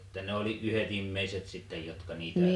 että ne oli yhdet ihmiset sitten jotka niitä